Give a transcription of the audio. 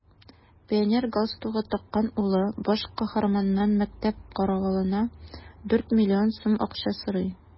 Пионер галстугы таккан улы баш каһарманнан мәктәп каравылына дүрт миллион сум акча сорый.